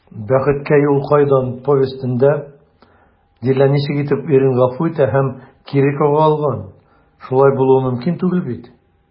«бәхеткә юл кайдан» повестенда дилә ничек итеп ирен гафу итә һәм кире кага алган, шулай булуы мөмкин түгел бит?»